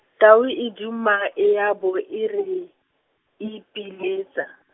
tau e duma e a bo e re, ipeletsa.